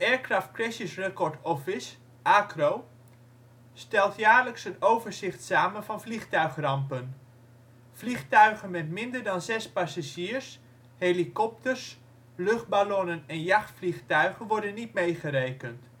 Aircraft Crashes Record Office (ACRO) stelt jaarlijks een overzicht samen van vliegtuigrampen. Vliegtuigen met minder dan zes passagiers, helikopters, luchtballonnen en jachtvliegtuigen worden niet meegerekend